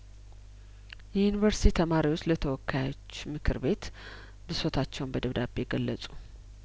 የዩኒቨርስቲ ተማሪዎች ለተወካዮች ምክር ቤት ብሶታቸውን በደብዳቤ ገለጹ